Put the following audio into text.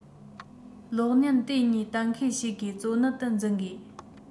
གློག བརྙན དེ གཉིས གཏན འཁེལ བྱེད དགོས གཙོ གནད དུ འཛིན དགོས